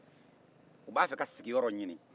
u b'a fɛ ka sigiyɔrɔ ɲini